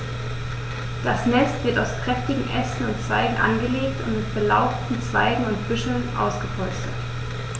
Das Nest wird aus kräftigen Ästen und Zweigen angelegt und mit belaubten Zweigen und Büscheln ausgepolstert.